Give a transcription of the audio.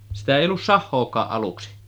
sitä ei ollut sahaakaan aluksi